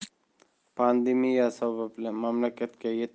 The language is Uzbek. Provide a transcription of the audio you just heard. pandemiya sababli mamlakatga yetarli